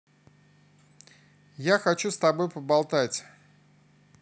я хочу с тобой поболтать